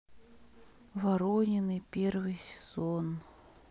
воронины первый сезон